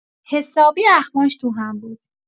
حسابی اخماش تو هم بود.